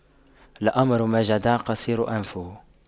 لأمر ما جدع قصير أنفه